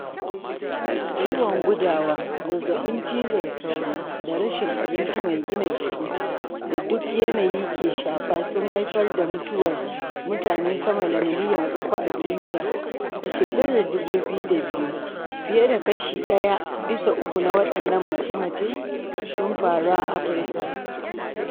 Ciwon gudawa, zazzabin cizon sauro, da rashin abinci mai gina jiki da duk yanayi ke shafa sun haifar da mutuwar mutane sama da miliyan 3 a duniya a shekarar 2002; fiye da kashi ɗaya bisa uku na waɗannan mace-macen sun faru a Afirka.